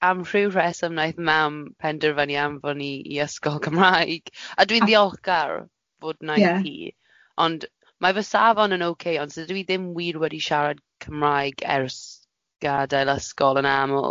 Am rhyw rheswm wnaeth mam penderfynu anfon i i ysgol Gymraeg. A dwi'n ddiolchgar fod wnaeth hi... Ie. ...ond mae fy safon yn ok, ond sy dwi ddim wir wedi siarad Cymraeg ers gadael ysgol yn aml.